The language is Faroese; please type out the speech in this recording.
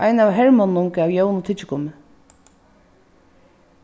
ein av hermonnunum gav jónu tyggigummi